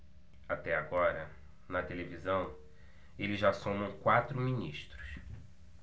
até agora na televisão eles já somam quatro ministros